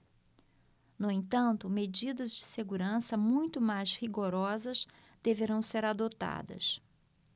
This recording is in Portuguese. no entanto medidas de segurança muito mais rigorosas deverão ser adotadas